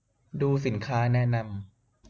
ดูสินค้าแนะนำ